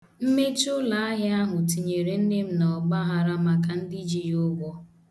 Mmechi ụlọahịa ahụ tinyere nne m n'ọgbaghara maka ndị ji ya ụgwọ.